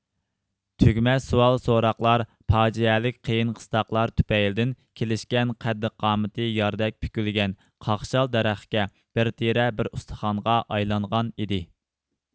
تۈگىمەس سوئال سوراقلار پاجىئەلىك قىيىن قىستاقلار تۈپەيلىدىن كېلىشكەن قەددى قامىتى ياردەك پۈكۈلگەن قاقشال دەرەخكە بىر تېرە بىر ئۇستىخانغا ئايلانغان ئىدى